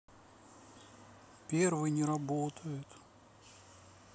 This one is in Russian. первый не работает